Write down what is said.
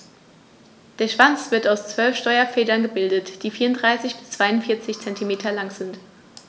Der Schwanz wird aus 12 Steuerfedern gebildet, die 34 bis 42 cm lang sind.